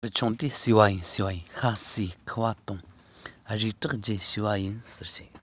བུ ཆུང དེས བཟས པ ཡིན བཟས པ ཡིན ཤ བཟས ཁུ བ བཏུང རུས བཀྲས རྒྱབ བྱས པ ཡིན ཟེར བཤད